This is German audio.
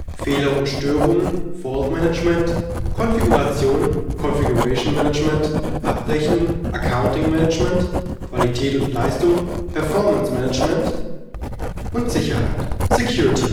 Fehler und Störungen (fault management) Konfiguration (configuration management) Abrechnung (accounting management) Qualität und Leistung (performance management) Sicherheit (security management